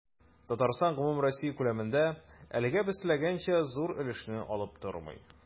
Татарстан гомумроссия күләмендә, әлегә без теләгәнчә, зур өлешне алып тормый.